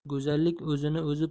go'zallik o'zini o'zi